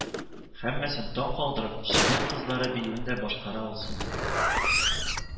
Һәммәсен таң калдырып, чегән кызлары биюен дә башкара алсу